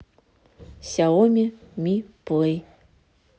сяоми ми плей